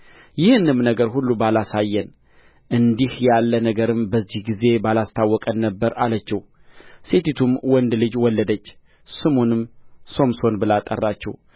ይህንም ነገር ሁሉ ባላሳየን እንዲህ ያለ ነገርም በዚህ ጊዜ ባላስታወቀን ነበር አለችው ሴቲቱም ወንድ ልጅ ወለደች ስሙንም ሶምሶን ብላ ጠራችው